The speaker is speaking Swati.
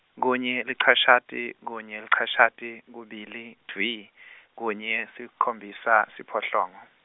kunye, lichashata, kunye, lichashata, kubili, dvwi , kunye, sikhombisa, siphohlongo.